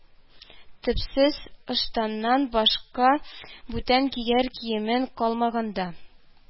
- төпсез ыштаннан башка бүтән кияр киемем калмаганга